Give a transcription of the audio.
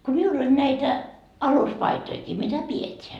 kun minulla oli näitä aluspaitojakin mitä pidetään